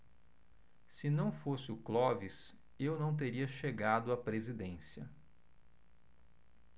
se não fosse o clóvis eu não teria chegado à presidência